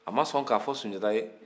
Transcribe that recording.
a ma sɔn k'a fɔ sunjata ye